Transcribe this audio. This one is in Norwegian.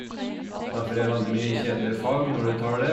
Så derfor er det veldig mye kjedelige fag når du tar det.